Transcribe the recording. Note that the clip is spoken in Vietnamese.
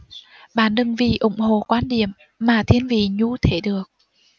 bạn đừng vì ủng hộ quan điểm mà thiên vị nhu thế được